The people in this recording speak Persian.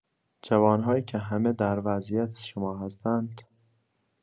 جوان‌هایی که همه در وضعیت شما هستند.